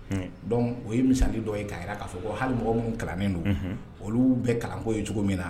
Dɔn o ye minin dɔ ye' jira k'a fɔ ko halimɔgɔ minnu kalannen don olu bɛɛ kalanko ye cogo min na